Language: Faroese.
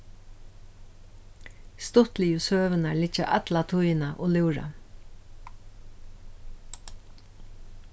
stuttligu søgurnar liggja alla tíðina og lúra